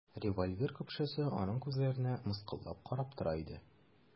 Револьвер көпшәсе аның күзләренә мыскыллап карап тора иде.